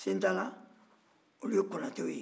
sintala olu ye konatɛw ye